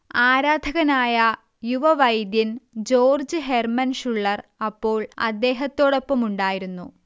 ആരാധകനായ യുവവൈദ്യൻ George Hermann Schuller അപ്പോൾ അദ്ദേഹത്തോടൊപ്പമുണ്ടായിരുന്നു